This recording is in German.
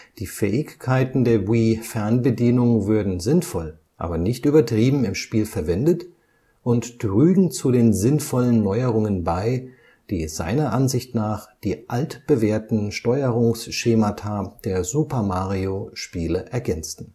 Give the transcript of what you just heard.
Die Fähigkeiten der Wii-Fernbedienung würden sinnvoll, aber nicht übertrieben im Spiel verwendet und trügen zu den sinnvollen Neuerungen bei, die seiner Ansicht nach die altbewährten Steuerungsschemata der Super-Mario-Spiele ergänzten